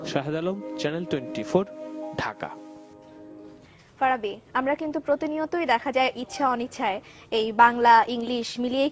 Shahed Alam channel twenty four Dhaka Farabi আমরা কিন্তু প্রতিনিয়তই দেখা যায় ইচ্ছা অনিচ্ছায় এই বাংলা ইংলিশ মিলিয়ে